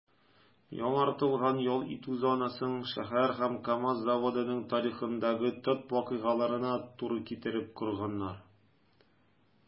Яңартылган ял итү зонасын шәһәр һәм КАМАЗ заводының тарихындагы төп вакыйгаларына туры китереп корганнар.